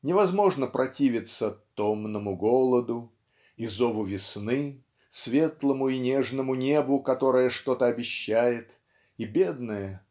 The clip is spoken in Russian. Невозможно противиться "томному голоду" и зову весны светлому и нежному небу которое что-то обещает и бедное